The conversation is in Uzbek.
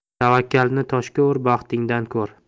tavakkalni toshga ur baxtingdan ko'r